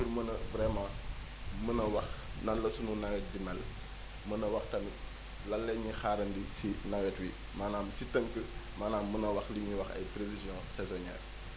pour mën a vraiment mën a wax nan la suénu nawet bi mel mën a wax tamit lan la ñuy xaarandi si nawet wi maanaam si tënk maanaam mën a wax li ñuy wax ay prévisions saisonières